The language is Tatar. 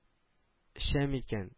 Эчәм икән